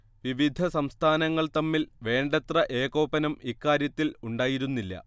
വിവിധ സംസ്ഥാനങ്ങൾ തമ്മിൽ വേണ്ടത്ര ഏകോപനം ഇക്കാര്യത്തിൽ ഉണ്ടായിരുന്നില്ല